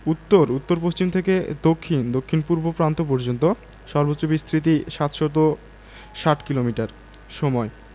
উত্তর উত্তর পশ্চিম থেকে দক্ষিণ দক্ষিণপূর্ব প্রান্ত পর্যন্ত সর্বোচ্চ বিস্তৃতি ৭৬০ কিলোমিটার সময়ঃ